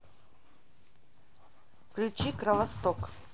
включи кровосток